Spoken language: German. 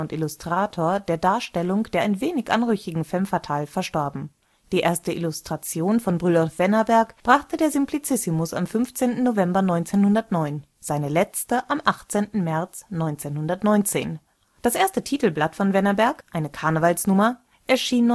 Illustrator der Darstellung der ein wenig anrüchigen Femme fatale, verstorben. Die erste Illustration von Brynolf Wennerberg brachte der „ Simplicissimus “am 15. November 1909; seine letzte am 18. März 1919. Das erste Titelblatt von Wennerberg, eine „ Karnevals-Nummer “, erschien